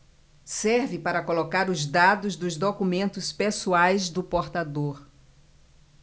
serve para colocar os dados dos documentos pessoais do portador